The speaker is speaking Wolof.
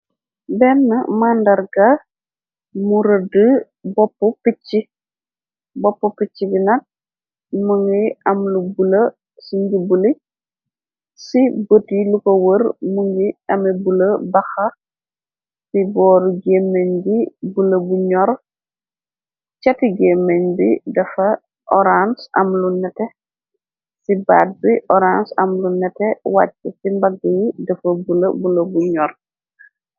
Benn màndarga muradu bopp picc binat mu ngiy amlu bula ci njibuli ci bëti lu ko wër mu ngi ame bula baxa bi booru gémeñ bi bula bu ñor cati gémeñ bi defa orange am lu nete ci baat bi orange am lu nete wàcc ci mbagg yi defa bula bula bu ñor.